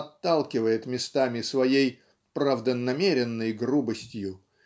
отталкивает местами своей правда намеренной грубостью